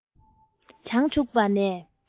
བྱང ཆུབ པ ནས